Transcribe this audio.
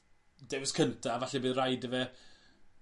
dewis cynta falle by' rhaid i fe